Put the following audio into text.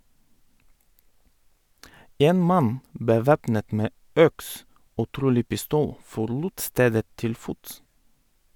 En mann bevæpnet med øks og trolig pistol forlot stedet til fots.